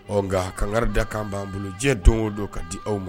Ɔ nka kangari da kan b'an bolo diɲɛ don o don ka di aw ma